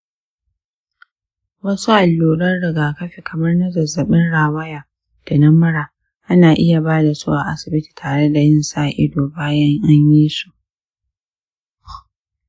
wasu alluran rigakafi kamar na zazzabin rawaya da na mura ana iya ba da su a asibiti tare da yin sa-ido bayan an yi su.